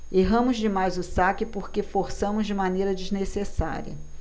erramos demais o saque porque forçamos de maneira desnecessária